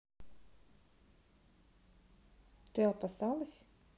ты опасалась